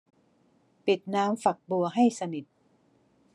ปิดน้ำฝักบัวให้สนิท